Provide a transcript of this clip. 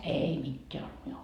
ei mitään ollut minulla